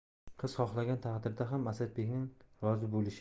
qiz xohlagan taqdirda ham asadbekning rozi bo'lishi